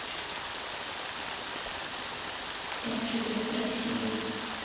семь чудес россии